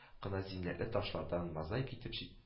Кына зиннәтле ташлардан мозаика итеп чик